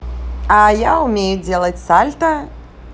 а я умею делать сальто